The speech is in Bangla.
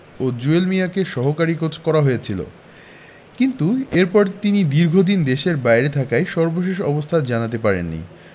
ও জুয়েল মিয়াকে সহকারী কোচ করা হয়েছিল কিন্তু এরপর তিনি দীর্ঘদিন দেশের বাইরে থাকায় সর্বশেষ অবস্থা জানতে পারেননি